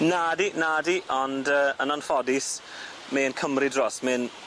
Nadi, nadi, ond yy yn anffodus m'e e'n cymryd dros. M'e'n